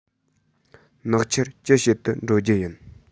ནག ཆུར ཅི བྱེད དུ འགྲོ རྒྱུ ཡིན